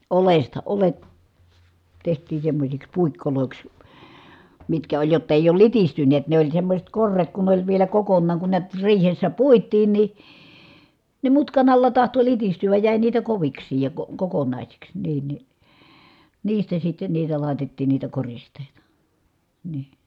oljesta oljet tehtiin semmoisiksi puikoiksi mitkä oli jotta ei ole litistyneet ne oli semmoiset korret kun ne oli vielä kokonaan kun näet riihessä puitiin niin ne mutkan alla tahtoi litistyä jäi niitä koviksikin ja - kokonaisiksi niin niin niistä sitten niitä laitettiin niitä koristeita niin